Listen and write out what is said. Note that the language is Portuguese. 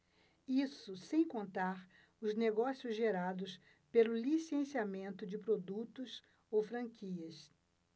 isso sem contar os negócios gerados pelo licenciamento de produtos ou franquias